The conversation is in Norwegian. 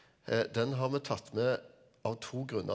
den har vi tatt med av to grunner.